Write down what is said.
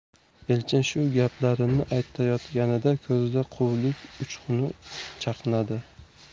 elchin shu gaplarini aytayotganida ko'zida quvlik uchquni chaqnadi